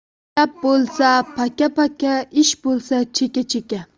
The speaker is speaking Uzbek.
gap bo'lsa paka paka ish bo'lsa cheka cheka